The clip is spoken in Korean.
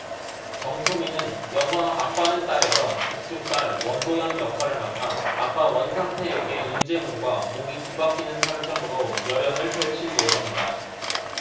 정소민은 영화 아빠는 딸에서 극 중 딸 원도연 역할을 맡아 아빠 원상태 역의 윤제문과 몸이 뒤바뀌는 설정으로 열연을 펼칠 예정이다